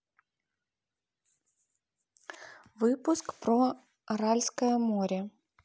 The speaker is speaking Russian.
выпуск про аральское море